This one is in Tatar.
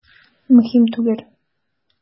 Мөһим түгел.